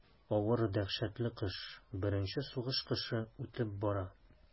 Авыр дәһшәтле кыш, беренче сугыш кышы үтеп бара.